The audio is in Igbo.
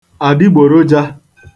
àdịgbòrojā